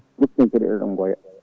duttoɗen kadi eɗen gooya